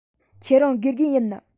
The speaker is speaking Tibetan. ཁྱེད རང དགེ རྒན ཡིན ནམ